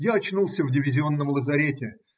Я очнулся в дивизионном лазарете.